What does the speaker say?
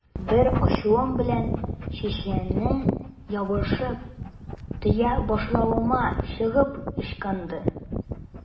Бар ачуым белән чәченә ябышып, төя башлавыма чыгып ычкынды.